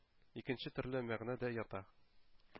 Икенче төрле мәгънә дә ята.